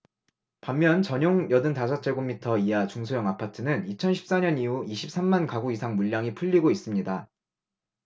반면 전용 여든 다섯 제곱미터 이하 중소형 아파트는 이천 십 사 년 이후 이십 삼 만 가구 이상 물량이 풀리고 있습니다